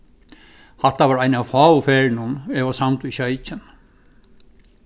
hatta var ein av fáu ferðunum eg var samd við sjeikin